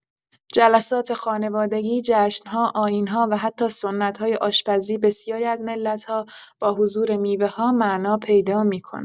جلسات خانوادگی، جشن‌ها، آیین‌ها و حتی سنت‌های آشپزی بسیاری از ملت‌ها با حضور میوه‌ها معنا پیدا می‌کند.